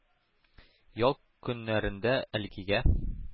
Ял көннәрендә әлкигә,